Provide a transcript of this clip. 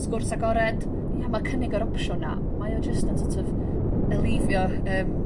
sgwrs agored ia ma' cynnig yr opsiwn 'na mae o jyst yn so't of elifio yym